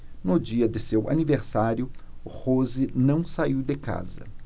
no dia de seu aniversário rose não saiu de casa